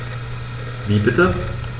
Wie bitte?